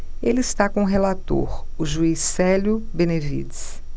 ele está com o relator o juiz célio benevides